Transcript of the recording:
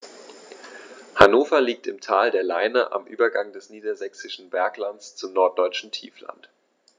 Hannover liegt im Tal der Leine am Übergang des Niedersächsischen Berglands zum Norddeutschen Tiefland.